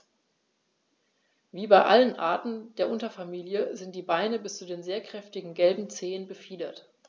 Wie bei allen Arten der Unterfamilie sind die Beine bis zu den sehr kräftigen gelben Zehen befiedert.